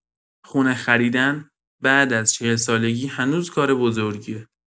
خونه خریدن بعد از ۴۰ سالگی هنوز کار بزرگیه!